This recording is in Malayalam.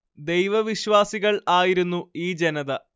ദൈവ വിശ്വാസികൾ ആയിരുന്നു ഈ ജനത